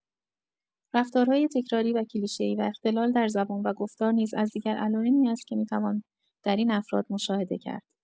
رفتارهای تکراری و کلیشه‌ای و اختلال در زبان و گفتار نیز از دیگر علائمی است که می‌توان در این افراد مشاهده کرد.